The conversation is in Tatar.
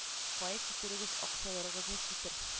Кая китерегез акчаларыгызны китер